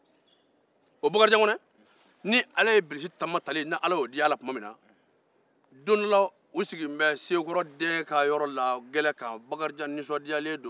komi ala ye bilisi tanba tali diya bakarijan na don dɔ la u sigilen bɛ sekɔrɔ dɛɛ ka yɔrɔ la bakarijan nisɔndiyalen don